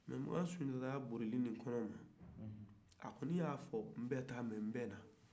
mɛ makan sunjata ka bolili kɔnɔna nan a kɔni y'a fɔ n bɛ taa mɛ n bɛ na